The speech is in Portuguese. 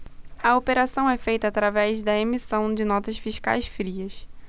a operação é feita através da emissão de notas fiscais frias